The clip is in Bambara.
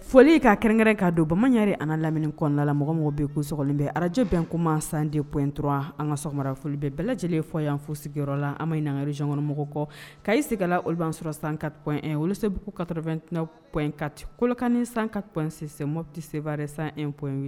Foli kaa kɛrɛnkɛrɛn kaa don bamanankɛre an lamini kɔnɔna la mɔgɔ mɔgɔ bɛ ko s bɛ arajbɛn koma san de p dɔrɔn an ka maraoli bɛ bɛɛ lajɛlen fɔ y an fo sigiyɔrɔyɔrɔ la an ma ye nagakarire janɔnkɔnɔmɔgɔ kɔ ka i segin olu b'an sɔrɔ san kapɛ olu sebeku katɔ2p ka kɔlɔkani sankap2 sɛ moti sebaare san inpy